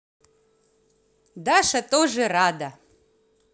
dasha тоже рада